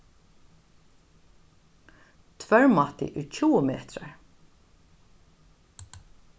tvørmátið er tjúgu metrar